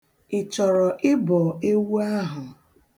Ị chọrọ ịbọ ewu ahụ?